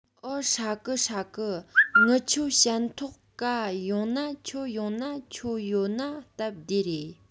འོ ཧྲ གི ཧྲ གི ངི ཆོ ཞན ཐོག ག ཡོང ན ཁྱོད ཡོང ན ཁྱོད ཡོད ན སྟབས བདེ རེད